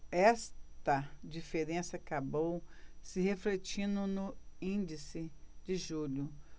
esta diferença acabou se refletindo no índice de julho